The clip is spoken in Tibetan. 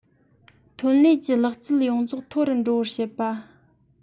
ཐོན ལས ཀྱི ལག རྩལ ཡོངས རྫོགས མཐོ རུ འགྲོ བར བྱེད པ